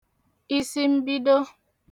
isimbido